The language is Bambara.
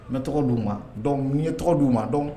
N bɛ tɔgɔ di'u ma dɔn n ye tɔgɔ di' u ma dɔn